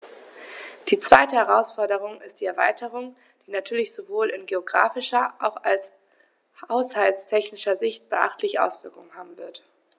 Die zweite Herausforderung ist die Erweiterung, die natürlich sowohl in geographischer als auch haushaltstechnischer Sicht beachtliche Auswirkungen haben wird.